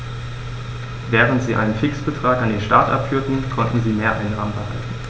Während sie einen Fixbetrag an den Staat abführten, konnten sie Mehreinnahmen behalten.